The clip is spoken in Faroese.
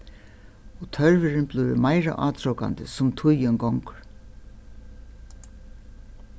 og tørvurin blívur meira átrokandi sum tíðin gongur